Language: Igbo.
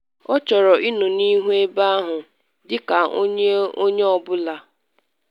Ọ chọrọ ịnọ n’ihu ebe ahụ, dị ka onye ọ bụla.”